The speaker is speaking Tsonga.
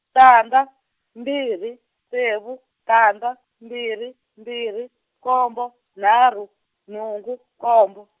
tandza, mbirhi, ntsevu, tandza, mbirhi, mbirhi, nkombo, nharhu, nhungu, nkombo.